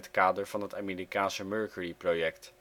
kader van het Amerikaanse Mercury project